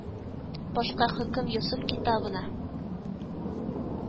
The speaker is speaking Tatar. Башка хөкем Йосыф китабына